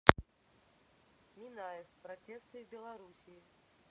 минаев протесты в белоруссии